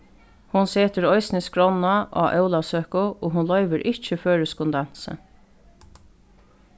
hon setir eisini skránna á ólavsøku og hon loyvir ikki føroyskum dansi